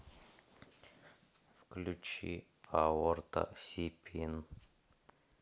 включи аорта сипин